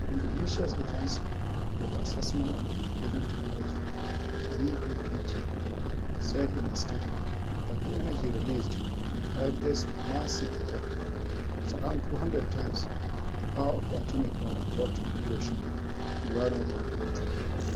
Indonesia's Agency for the Assessment and Application of Technology (BPPT) said in a statement that the energy released by Friday’s massive quake was around 200 times the power of the atomic bomb dropped on Hiroshima during World War Two.